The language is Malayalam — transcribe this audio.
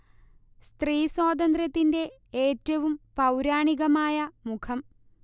സ്ത്രീ സ്വാതന്ത്ര്യത്തിന്റെ ഏറ്റവും പൗരാണികമായ മുഖം